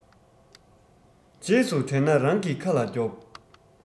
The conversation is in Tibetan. རྗེས སུ དྲན ན རང གི ཁ ལ རྒྱོབ